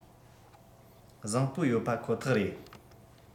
བཟང པོ ཡོད པ ཁོ ཐག རེད